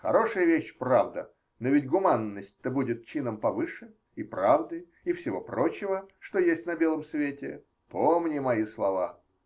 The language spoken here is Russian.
Хорошая вещь правда, но ведь гуманность-то будет чином повыше и правды, и всего прочего, что есть на белом свете. Помни мои слова.